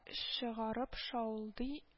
Чыгарып шауладый